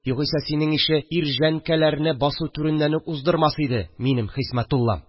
Югыйсә, синең ише ирҗәнкәләрне басу түреннән үк уздырмас иде минем Хисмәтуллам